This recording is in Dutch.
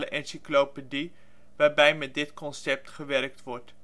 encyclopedie waarbij met dit concept gewerkt wordt